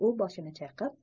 u boshini chayqab